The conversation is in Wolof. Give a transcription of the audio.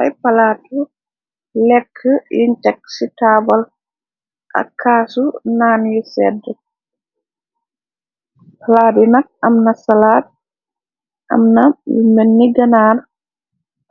Ay palaat tu lekk yuñ tek ci taabal ak kaasu naan yu sedd, palaat yu nak amna salaat, amna lu melni ganaar,